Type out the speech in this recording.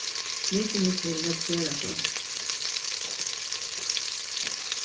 mykines hevur nógv ferðafólk